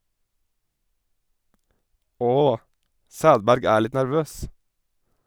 Åh, Sædberg er litt nervøs.